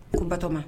Ko batoma